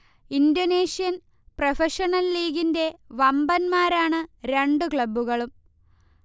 Indonesian professional ലീഗിലെ വമ്പന്മാരാണ് രണ്ട് ക്ലബുകളും